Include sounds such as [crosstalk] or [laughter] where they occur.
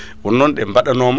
[breath] wonon ɗe baɗanoma